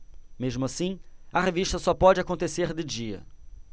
mesmo assim a revista só pode acontecer de dia